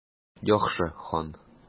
Яхшы, хан.